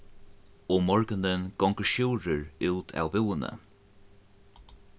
um morgunin gongur sjúrður út av búðini